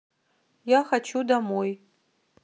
я хочу домой